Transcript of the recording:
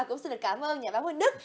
cũng xin cảm ơn nhà báo minh đức